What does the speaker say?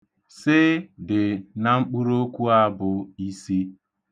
'S' dị na mkpụrụokwu a bụ 'Isi'.